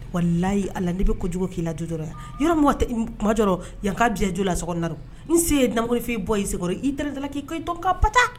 Wala layi ala' bɛ ko k'i la jo dɔrɔn yan yɔrɔ mɔgɔ i kumajɔ yan' bɛ jo la a s na n se ye dammori f'i bɔ'i i da k'i' e dɔn ka bata